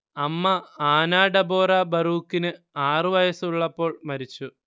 അമ്മ Anna Deborah ബറൂക്കിന് ആറുവയസ്സുള്ളപ്പോൾ മരിച്ചു